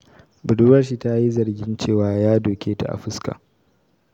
Budurwar shi ta yi zargin cewa ya doke ta a fuska.